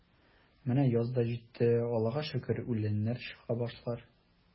Менә яз да житте, Аллага шөкер, үләннәр чыга башлар.